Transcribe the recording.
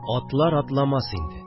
Атлар атламас инде